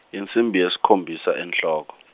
insimbi yesikhombisa, enhloko.